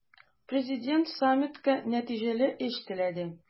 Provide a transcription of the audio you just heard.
Президент саммитка нәтиҗәле эш теләде.